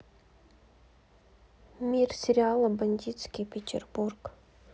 мир сериала бандитский петербург